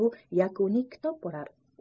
bu yakuniy kitob bo'lar